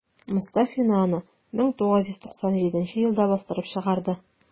Мостафина аны 1997 елда бастырып чыгарды.